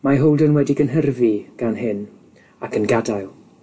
Mae Holden wedi gynhyrfu gan hyn ac yn gadael.